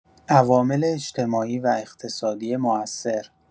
عوامل اجتماعی و اقتصادی مؤثر